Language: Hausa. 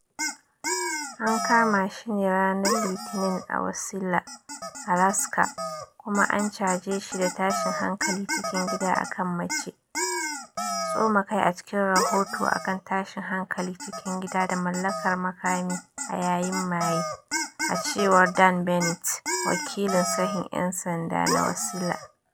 An kama shi ne ranan Litinin a Wasilla, Alaska, kuma an caje shi da tashin hankalin cikin gida akan mace, tsoma kai a cikin rahoto akan tashin hankalin cikin gida da mallakar makami a yayin maye, a cewar Dan Bennet, Wakilin Sahen Yan Sanda na Wasilla.